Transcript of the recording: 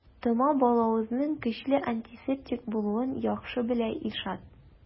Тома балавызның көчле антисептик булуын яхшы белә Илшат.